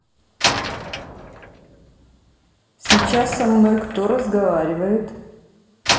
сейчас со мной кто разговаривает